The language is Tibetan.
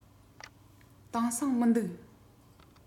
དེང སང མི འདུག